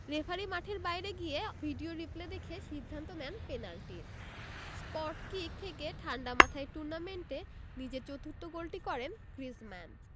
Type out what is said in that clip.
referee মাঠের বাইরে গিয়ে ভিডিও রিপ্লে দেখে সিদ্ধান্ত দেন পেনাল্টির স্পটকিক থেকে ঠাণ্ডা মাথায় টুর্নামেন্টে নিজের চতুর্থ গোলটি করেন গ্রিজমান